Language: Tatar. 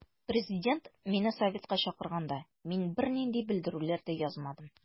Президент мине советка чакырганда мин бернинди белдерүләр дә язмадым.